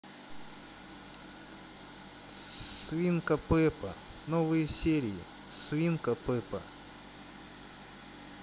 свинка пеппа новые серии свинка пеппа